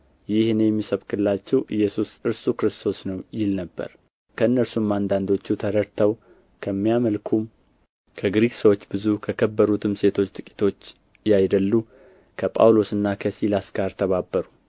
ይህ እኔ የምሰብክላችሁ ኢየሱስ እርሱ ክርስቶስ ነው ይል ነበር ከእነርሱም አንዳንዶቹ ተረድተው ከሚያመልኩም ከግሪክ ሰዎች ብዙ ከከበሩትም ሴቶች ጥቂቶች ያይደሉ ከጳውሎስና ከሲላስ ጋር ተባበሩ